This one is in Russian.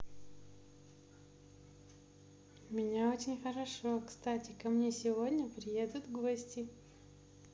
у меня очень хорошо кстати ко мне сегодня приедут гости